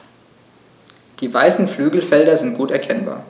Die weißen Flügelfelder sind gut erkennbar.